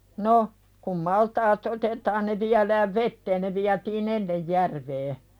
no kun maltaat otetaan ne viedään veteen ne vietiin ennen järveen